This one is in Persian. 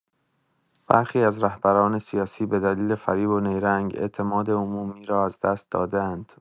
برخی از رهبران سیاسی به دلیل فریب و نیرنگ، اعتماد عمومی را از دست داده‌اند.